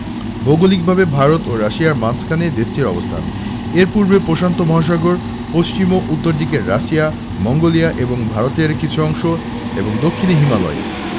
ভৌগলিকভাবে ভারত ও রাশিয়ার মাঝখানে দেশটির অবস্থান এর পূর্বে প্রশান্ত মহাসাগর পশ্চিম ও উত্তর দিকে রাশিয়া মঙ্গোলিয়া এবং ভারতের কিছু অংশ এবং দক্ষিনে হিমালয়